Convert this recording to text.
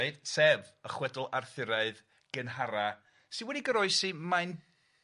Reit, sef y chwedl Arthuraidd, gynhara, sy wedi goroesi, mae'n